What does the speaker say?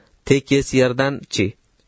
tekis yerdan chi